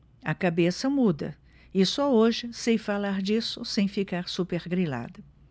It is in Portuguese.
a cabeça muda e só hoje sei falar disso sem ficar supergrilada